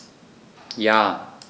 Ja.